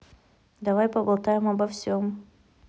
давай поболтаем обо всем